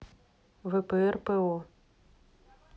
впр по